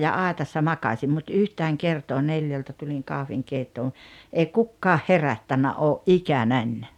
ja aitassa makasin mutta yhtään kertaa neljältä tulin kahvinkeittoon ei kukaan herättänyt ole ikänäni